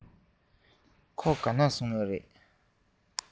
ག པར ཕྱིན པ རེད